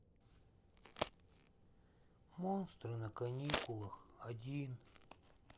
монстры на каникулах один